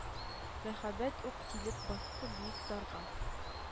Мәһабәт ул килеп басты биек «дар»га.